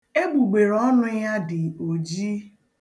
Egbugbereọnụ ya dị oji.